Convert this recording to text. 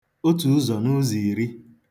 otùuzọ̀ nụụzọ̀ ìri